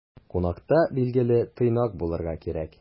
Кунакта, билгеле, тыйнак булырга кирәк.